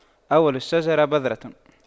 أول الشجرة بذرة